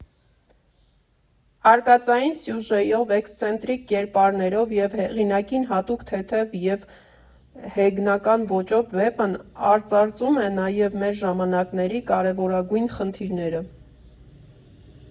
Արկածային սյուժեով, էքսցենտրիկ կերպարներով և հեղինակին հատուկ թեթև և հեգնական ոճով վեպն արծարծում է նաև մեր ժամանակների կարևորագույն խնդիրները։